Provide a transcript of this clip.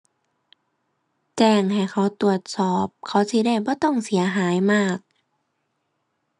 แจ้งให้เขาตรวจสอบ เขาสิได้บ่ต้องเสียหายมาก